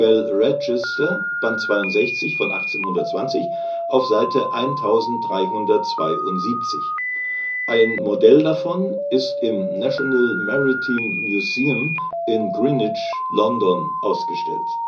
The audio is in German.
Register, Band 62 von 1820 auf Seite 1372. Ein Modell davon ist im National Maritime Museum in Greenwich, London, ausgestellt